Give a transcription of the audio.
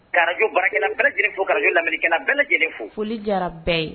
Kajo barakɛ bɛɛ lajɛleneni fo kajo lammirik bɛɛ lajɛlenele fo foli jara bɛɛ ye